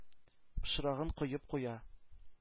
Пычрагын коеп куя.